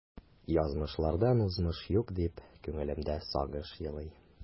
Язмышлардан узмыш юк, дип күңелемдә сагыш елый.